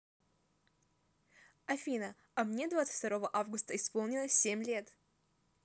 афина а мне двадцать второго августа исполнится семь лет